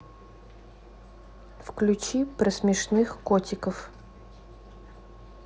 включи про смешных котиков